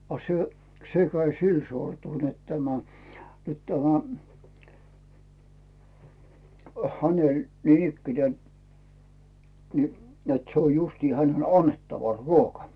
a se se kävi sillä sortulla että tämä nyt tämä hänellä niinikään niin että se on justiin hänen annettava ruoka